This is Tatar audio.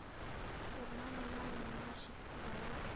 Урман, урман, миңа чиксез авыр